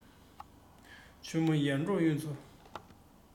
ཆུ མོ ཡར འབྲོག གཡུ མཚོ